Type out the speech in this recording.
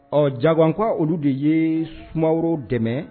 Ɔ olu de ye Sumaworo dɛmɛ